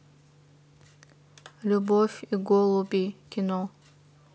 любовь и голуби кино